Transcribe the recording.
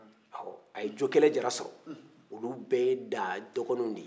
awo a ye jokele jara sɔrɔ olu bɛɛ ye da dɔgɔninw de ye